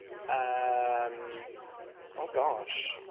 Yym, oh gosh!